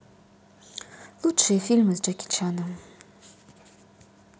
лучшие фильмы с джеки чаном